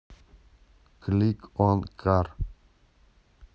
клик он кар